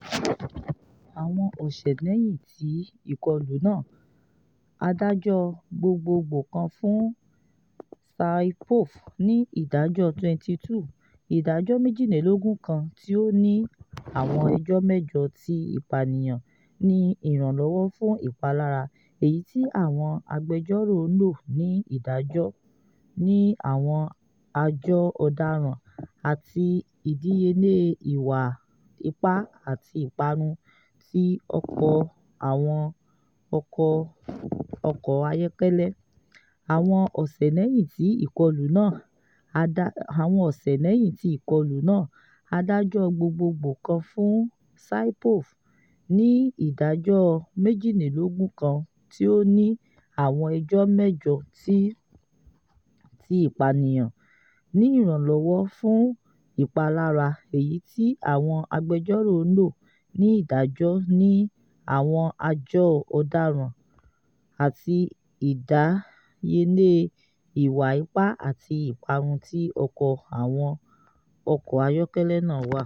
Àwọn ọ̀sẹ̀ lẹyìn ti ìkọlù náà, adájọ́ gbogboogbo kan fún Saipov ní ìdájọ́ 22 kan tí ó ní àwọn ẹjọ́ mẹjọ ti ìpànìyàn ní ìrànlọ́wọ́ fún ìpalára, èyí tí àwọn agbẹjọ́rò ń lò ni ìdájọ́ ní àwọn àjọ́ ọdaràn, àti ìdíyelé ìwà ìpá àti ìparun ti ọkọ àwọn ọkọ ayọ́kẹ́lẹ́.